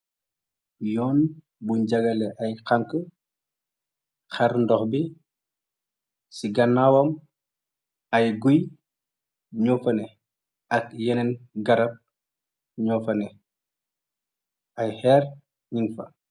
Yoon bu njagale ay xank xar ndox bi ci gannaawam ay guy ño fane ak yeneen garab ño fane ay xeer nyung fa.